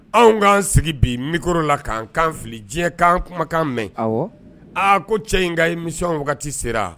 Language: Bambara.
Anw k'an sigi bi mikoro la k'an kan fili diɲɛkan kumakan mɛn aa ko cɛ in ka imi wagati sera